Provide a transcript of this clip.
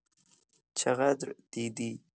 چقدر دیدی؟